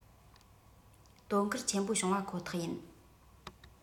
དོ ཁུར ཆེན པོ བྱུང བ ཁོ ཐག ཡིན